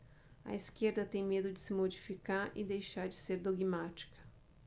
a esquerda tem medo de se modificar e deixar de ser dogmática